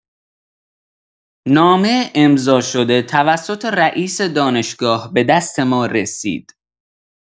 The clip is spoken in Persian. نامه امضاء‌شده توسط رئیس دانشگاه به دست ما رسید.